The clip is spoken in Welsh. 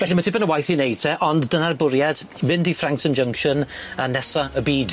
Felly ma' tipyn o waith i wneud te ond dyna'r bwriad, fynd i Frankton Junction a nesa y byd.